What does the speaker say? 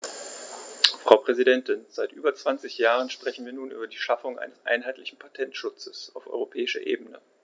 Frau Präsidentin, seit über 20 Jahren sprechen wir nun über die Schaffung eines einheitlichen Patentschutzes auf europäischer Ebene.